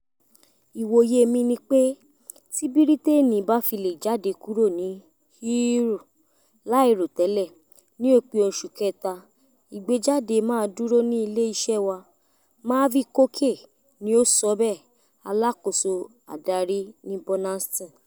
"Ìwòyé mi ni pé tí Bírítéènì ba fi le jáde kúrò ní EU láìròtẹ́lẹ̀ ní òpin oṣù kẹta, ìgbéjáde máa dúró ní ilé iṣẹ́ wa,” Marvi Cooke ni ó sọ bẹ́ẹ̀, Alákòóso adarí ní Burnaston.